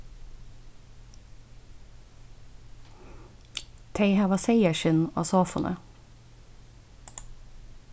tey hava seyðaskinn á sofuni